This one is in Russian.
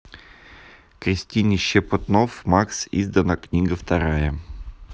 кристине щепетнов макс издана книга вторая